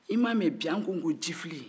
i m'a mɛn bi an ko jifilen